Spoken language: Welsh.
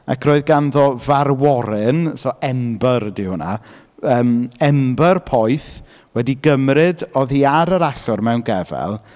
Ac roedd ganddo farworyn... so ember ydy hwnna, yym ember poeth... "wedi’i gymryd oddi ar yr allor mewn gefel..."